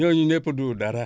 ñooñu ñépp du dara